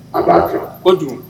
A b'a kɛ. Kojugu.